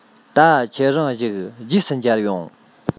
ད ཁྱེད རང བཞུགས རྗེས སུ མཇལ ཡོང